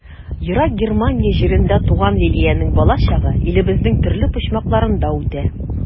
Ерак Германия җирендә туган Лилиянең балачагы илебезнең төрле почмакларында үтә.